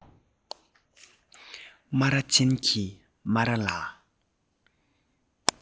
སྨ ར ཅན གྱི སྨ ར ལ